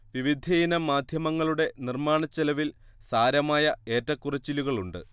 വിവിധയിനം മാധ്യമങ്ങളുടെ നിർമ്മാണച്ചെലവിൽ സാരമായ ഏറ്റക്കുറച്ചിലുകളുണ്ട്